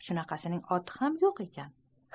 o'shanisining oti ham yo'q ekan